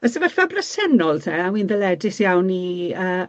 Y sefyllfa bresennol te, a wi'n ddyledus iawn i yy